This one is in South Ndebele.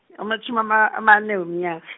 amatjhumi ama- amane weminyaka.